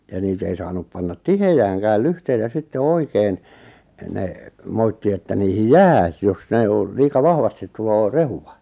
ja niitä ei saanut panna tiheäänkään lyhteitä sitten oikein ne moitti että niihin jää - jos ne on liika vahvasti tulee rehua